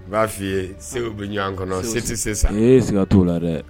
U b'a f'i ye segu bɛ ɲɔgɔn kɔnɔ se tɛ sisan la dɛ